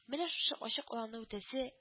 Менә шушы ачык аланны үтәсе